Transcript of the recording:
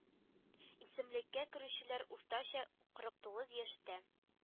Исемлеккә керүчеләр уртача кырык тугыз яшьтә